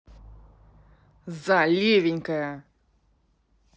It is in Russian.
за левенькая